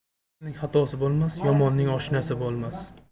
aslning xatosi bo'lmas yomonning oshnasi bo'lmas